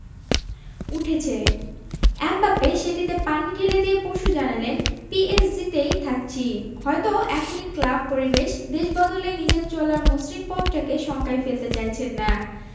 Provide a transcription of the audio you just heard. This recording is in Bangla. উঠেছে এমবাপ্পে সেটিতে পানি ঢেলে দিয়ে পরশু জানালেন পিএসজিতেই থাকছি হয়তো এখনই ক্লাব পরিবেশ দেশ বদলে নিজের চলার মসৃণ পথটাকে শঙ্কায় ফেলতে চাইছেন না